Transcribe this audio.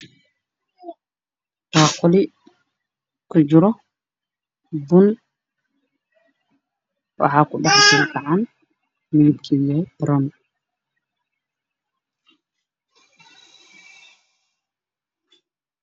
Waa saxan waxaa ku jira bun madow ah